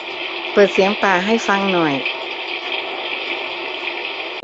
เปิดเสียงป่าให้ฟังหน่อย